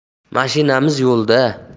mashinamiz yo'lda